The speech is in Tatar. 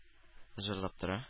Җырлап тора